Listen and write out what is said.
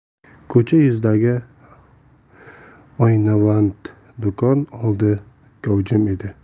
ko'cha yuzidagi oynavand do'kon oldi gavjum edi